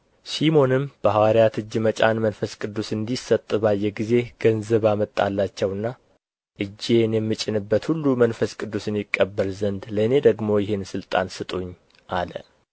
ሲሞንም በሐዋርያት እጅ መጫን መንፈስ ቅዱስ እንዲሰጥ ባየ ጊዜ ገንዘብ አመጣላቸውና እጄን የምጭንበት ሁሉ መንፈስ ቅዱስን ይቀበል ዘንድ ለእኔ ደግሞ ይህን ሥልጣን ስጡኝ አለ